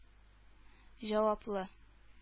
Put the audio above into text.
Җаваплы